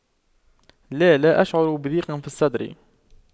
لا لا اشعر بضيق في الصدر